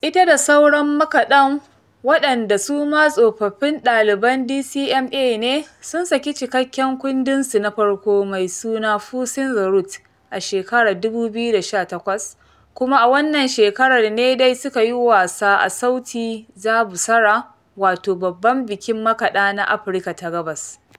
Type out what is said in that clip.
Ita da sauran makaɗan, waɗanda su ma tsofaffin ɗaliban DCMA ne, sun saki cikakken kundinsu na farko mai suna "Fusing the Root" a shekarar 2018, kuma a wannan shekarar ne dai suka yi wasa a Sauti za Busara, wato babban bikin makaɗa na Afirka ta Gabas.